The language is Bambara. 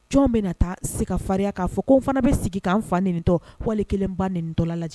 Jɔn bɛ na taa se ka fari'a fɔ ko fana bɛ sigi k'an fa nintɔ wali kelen ba nitɔ lajɛ